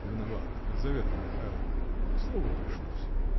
-- Виноват, Лизавета Михайловна, -- к слову пришлось.